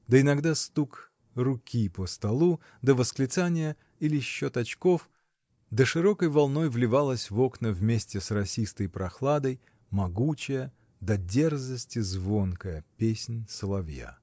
да иногда стук руки по столу, да восклицание или счет очков, да широкой волной вливалась в окна, вместе с росистой прохладой, могучая, до дерзости звонкая, песнь соловья.